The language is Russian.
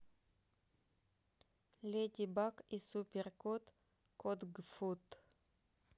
леди баг и супер кот кодгфуд